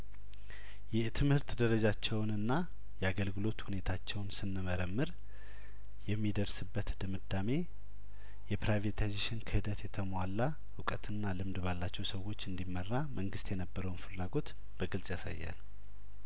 የትምህርት ደረጃቸውንና የአገልግሎት ሁኔታቸውን ስንመረምር የሚደርስ በት ድምዳሜ የፕራይቬታይዜሽን ክህደት የተሟላ እውቀትና ልምድ ባላቸው ሰዎች እንዲመራ መንግስት የነበረውን ፍላጐት በግልጽ ያሳያል